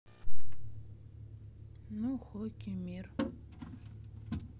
ну хоки мир